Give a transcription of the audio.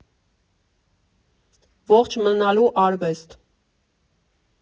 Ողջ մնալու արվեստ։